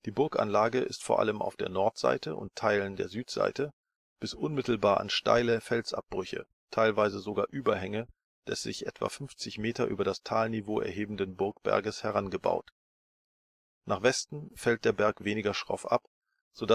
Burganlage ist vor allem auf der Nordseite und Teilen der Südseite bis unmittelbar an steile Felsabbrüche, teilweise sogar Überhänge des sich etwa 50 m über das Talniveau erhebenden Burgberges herangebaut. Nach Westen fällt der Berg weniger schroff ab, so